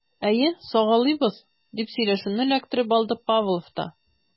Әйе, сагалыйбыз, - дип сөйләшүне эләктереп алды Павлов та.